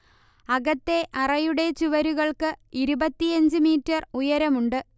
അകത്തെ അറയുടെ ചുവരുകൾക്ക് ഇരുപത്തിയഞ്ച് മീറ്റർ ഉയരമുണ്ട്